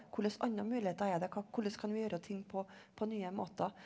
hvilke andre muligheter er det hvordan kan vi gjøre ting på på nye måter?